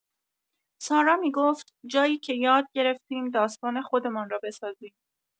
سارا می‌گفت: «جایی که یاد گرفتیم داستان خودمان را بسازیم.»